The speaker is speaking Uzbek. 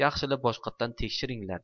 yaxshilab boshqatdan tekshiringlar